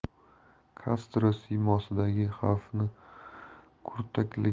kastro siymosidagi xavfni kurtakligidayoq yo'q